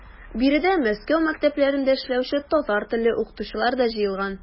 Биредә Мәскәү мәктәпләрендә эшләүче татар телле укытучылар да җыелган.